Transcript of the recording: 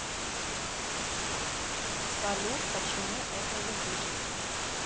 салют почему это электричество